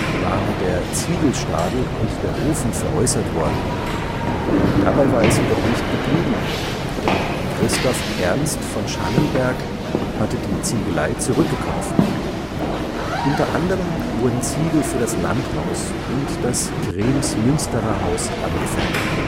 waren der Ziegelstadel und der Ofen veräußert worden. Dabei war es jedoch nicht geblieben, denn Christoph Ernst von Schallenberg hatte die Ziegelei zurückgekauft. Unter anderem wurden Ziegel für das Landhaus und das Kremsmünstererhaus angefertigt